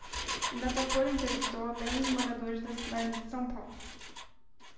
o datafolha entrevistou apenas moradores da cidade de são paulo